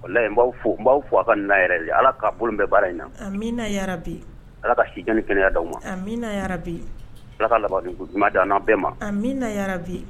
Yi n b'aw fɔ a ka n yɛrɛ de ala ka bolo bɛɛ baara in na a na bi ala ka siig kɛnɛyaya aw ma a min bi ala ka laban dumanja bɛɛ ma a min na bi